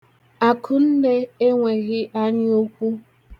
Akụnne enweghị anyaukwu.